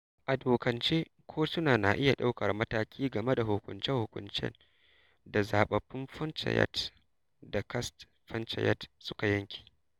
A dokance, kotuna na iya ɗaukar mataki a game da hukunce-hukuncen da zaɓaɓɓun panchayats da caste panchayats suka yanke.